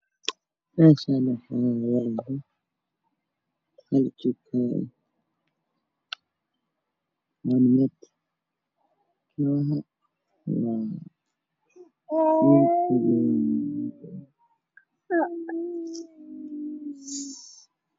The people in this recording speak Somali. Meeshaan waxaa ku taalla jiko jikada dhexdeeda waxaa ku jira gabar waxayna ku karineysaa cunto